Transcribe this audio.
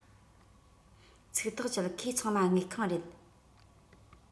ཚིག ཐག བཅད ཁོས ཚང མ དངུལ ཁང རེད